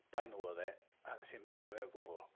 Bai nhw oedd e, a wnes i ddim joio fe o gwbl.